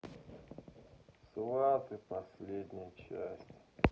сваты последняя часть